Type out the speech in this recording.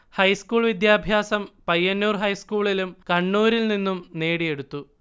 high school വിദ്യാഭ്യാസം പയ്യന്നൂർ ഹൈസ്കൂളിലും കണ്ണൂരിൽ നിന്നും നേടിയെടുത്തു